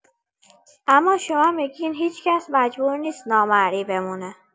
اما شما می‌گین هیچ‌کس مجبور نیست نامرئی بمونه.